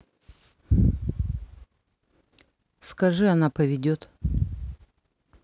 скажи она поведет